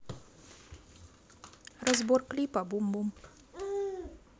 разбор клипа бум бум